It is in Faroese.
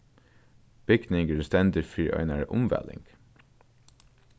bygningurin stendur fyri einari umvæling